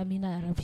A bɛ